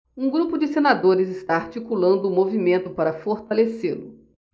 um grupo de senadores está articulando um movimento para fortalecê-lo